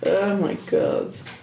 Oh my God.